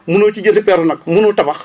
mënoo ci jënd paire nag munoo tabax